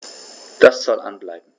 Das soll an bleiben.